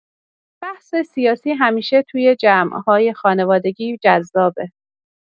بحث سیاسی همیشه توی جمع‌های خانوادگی جذابه.